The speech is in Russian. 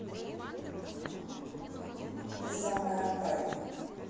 ты самая акаев